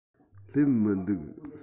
སླེབས མི འདུག